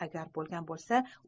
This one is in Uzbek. agar bo'lgan bo'lsa